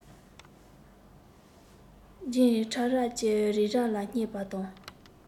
རྡུལ ཕྲ རབ ཀྱིས རི རབ ལ བསྙེགས པ དང